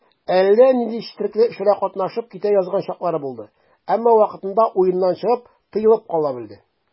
Әллә нинди четрекле эшләргә катнашып китә язган чаклары булды, әмма вакытында уеннан чыгып, тыелып кала белде.